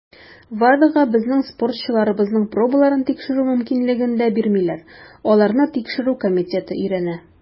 WADAга безнең спортчыларыбызның пробаларын тикшерү мөмкинлеген дә бирмиләр - аларны Тикшерү комитеты өйрәнә.